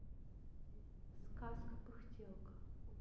сказка пыхтелка